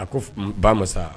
A ko ba massa.